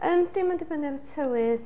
Yndy, mae'n dibynnu ar y tywydd.